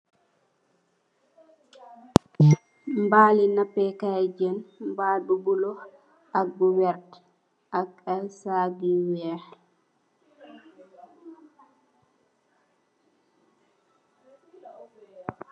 Mbali napèè Kai jén, mbal bu bula ak bu werta ak ay sag yu wèèx.